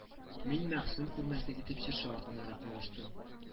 Мин мәгъсүм күрмәслек итеп чыршы артынарак авыштым